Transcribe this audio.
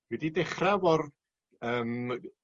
dwi 'di dechra efo'r yymm